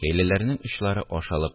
Кәйләләрнең очлары ашалып